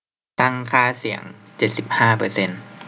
คั้งค่าเสียงเจ็ดสิบห้าเปอร์เซนต์